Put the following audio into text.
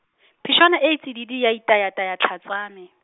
pheswana e tsididi ya itaya taya tlhaa tsa me.